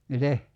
miten